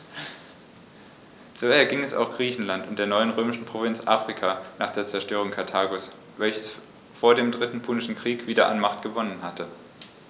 So erging es auch Griechenland und der neuen römischen Provinz Afrika nach der Zerstörung Karthagos, welches vor dem Dritten Punischen Krieg wieder an Macht gewonnen hatte.